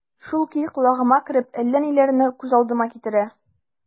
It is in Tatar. Шул көй колагыма кереп, әллә ниләрне күз алдыма китерә...